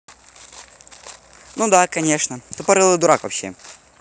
ну да конечно тупорылый дурак вообще